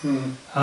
Hmm.